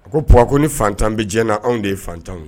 A ko p ko ni fatan bɛ diɲɛ na anw de ye fantanw